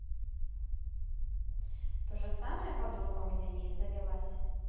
тоже самая подруга у меня есть завелась